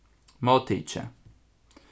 móttikið